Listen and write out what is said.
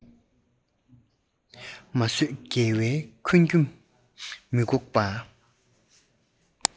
མ བཟོད ངལ བའི འཁུན སྒྲ མི སྒྲོག པ